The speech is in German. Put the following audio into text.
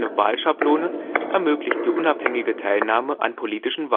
Wahlschablone ermöglicht die unabhängige Teilnahme an politischen